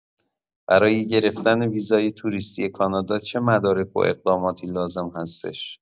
برای گرفتن ویزای توریستی کانادا چه مدارک و اقداماتی لازم هستش؟